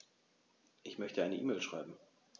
Ich möchte eine E-Mail schreiben.